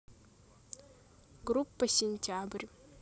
группа сентябрь